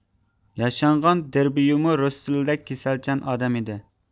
ياشانغان دېربيمۇ رۇسسېلدەك كېسەلچان ئادەم ئىدى